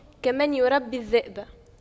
كمن يربي الذئب